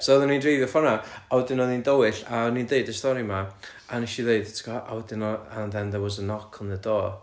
so oedden ni'n dreifio ffordd 'na a wedyn oedd hi'n dywyll a o'n i'n deud y stori 'ma a nes i ddeud ti gwbod a wedyn oe- "and then there was a knock on the door"